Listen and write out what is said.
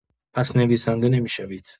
پس نویسنده نمی‌شوید!